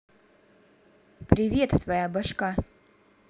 привет твоя башка